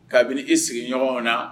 Kabini i sigiɲɔgɔnw na